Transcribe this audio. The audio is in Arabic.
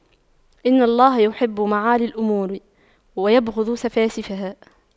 إن الله يحب معالي الأمور ويبغض سفاسفها